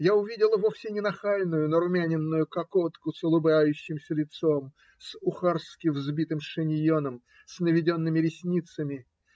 Я увидела вовсе не нахальную, нарумяненную кокотку, с улыбающимся лицом, с ухарски взбитым шиньоном, с наведенными ресницами.